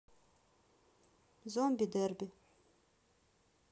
zombie derby